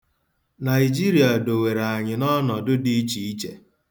Naịjirịa dowere anyị n'ọnọdụ dị iche iche.